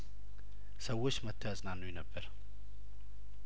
ሰዎች መጥተው ያጽናኑኝ ነበር